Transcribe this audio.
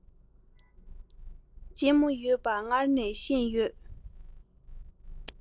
ལྕི མོ ཡོད པ སྔར ནས ཤེས ཡོད